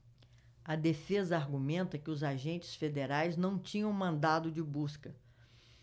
a defesa argumenta que os agentes federais não tinham mandado de busca